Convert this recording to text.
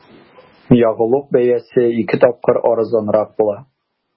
Ягулык бәясе ике тапкыр арзанрак була.